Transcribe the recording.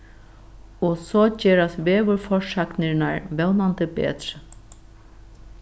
og so gerast veðurforsagnirnar vónandi betri